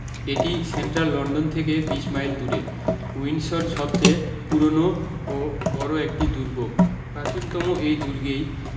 এটি central London থেকে ২০ mile দূরে উইন্ডসর সবচেয়ে পুরোনো ও বড় একটি দুর্গ প্রাচীনতম এই দুর্গেই